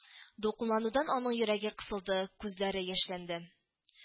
Дулкынланудан аның йөрәге кысылды, күзләре яшьләнде